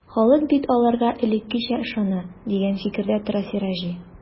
Халык бит аларга элеккечә ышана, дигән фикердә тора Сираҗи.